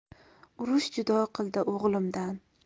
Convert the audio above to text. urush judo qildi o'g'limdan